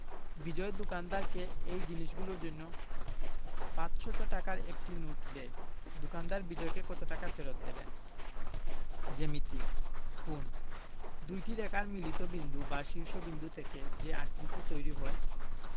বিজয় দোকানদারকে এই জিনিসগুলোর জন্য ৫০০ টাকার একটি নোট দেয় দোকানদার বিজয়কে কত টাকা ফেরত দেবেন জ্যামিতিঃ কোণঃ দুইটি রেখার মিলিত বিন্দু বা শীর্ষ বিন্দু থেকে যে আকৃতি তৈরি হয়